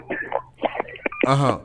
Hɔn